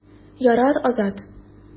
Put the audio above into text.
Ярар, Азат.